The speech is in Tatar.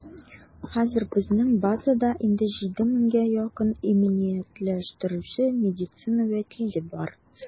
Хәзер безнең базада инде 7 меңгә якын иминиятләштерүче медицина вәкиле бар.